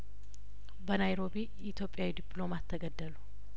በናይሮቢ ኢትዮጵያዊው ዲፕሎማት ተገደሉ